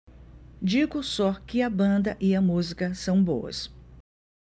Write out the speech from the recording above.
digo só que a banda e a música são boas